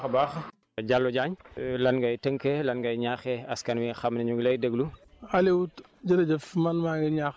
jërëjëf Modou Diop kon gërëm nañ lasant la bu baax a baax Diallo Diagne lan ngay tënkee lan ngay ñaaxee askan wi nga xam ne ñu ngi lay déglu